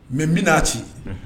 Mais min'a ci unhun